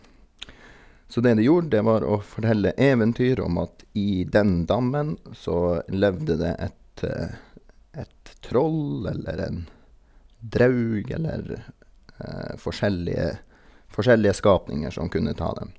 Så det de gjorde, det var å fortelle eventyr om at i den dammen så levde det et et troll eller en draug, eller forskjellige forskjellige skapninger som kunne ta dem.